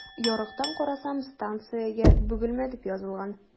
Ярыктан карасам, станциягә “Бөгелмә” дип язылган.